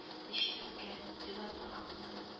– ди чикерткә, түбән карап кына